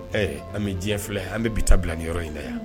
Ɛɛ an bɛ diɲɛ filɛ an bɛ bi taa bila ni yɔrɔ in la yan